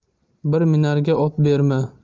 bir minarga ot berma